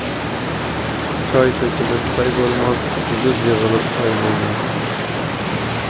choy to'kilib soy bo'lmas yulduz yig'ilib oy bo'lmas